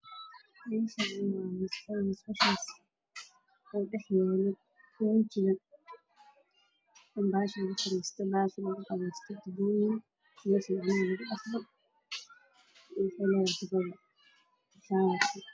Waa musqul meesha lagu qabeysto waa caddaan darbiga waa madow iyo caddaan tuubbooyin ay leedahay